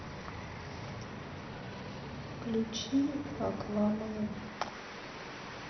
включи аквамэн